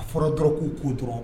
A fɔra dɔrɔn k'u ko dɔrɔn